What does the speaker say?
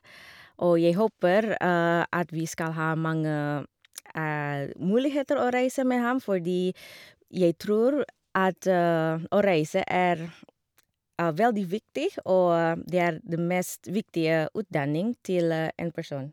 Og jeg håper at vi skal ha mange muligheter å reise med ham, fordi jeg tror at å reise er veldig viktig, og det er det mest viktige utdanning til en person.